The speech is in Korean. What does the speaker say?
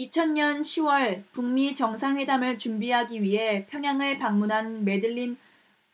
이천 년 시 월 북 미 정상회담을 준비하기 위해 평양을 방문한 매들린